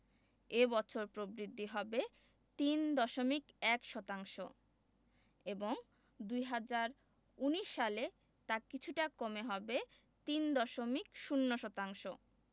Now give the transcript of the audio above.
এ বছর প্রবৃদ্ধি হবে ৩.১ শতাংশ এবং ২০১৯ সালে তা কিছুটা কমে হবে ৩.০ শতাংশ